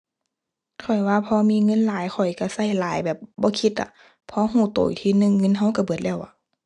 ข้อยว่าพอมีเงินหลายข้อยก็ก็หลายแบบบ่คิดอะ พอก็ก็อีกทีหนึ่งเงินก็ก็เบิดแล้วอะ